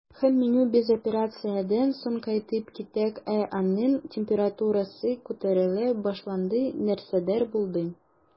Һәм менә без операциядән соң кайтып киттек, ә аның температурасы күтәрелә башлады, нәрсәдер булды.